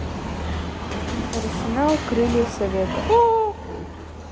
арсенал крылья советов